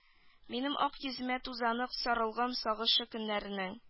Минем ак йөземә тузаны сарылган сагышлы көннәрнең